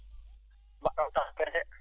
mbaɗɗon tampere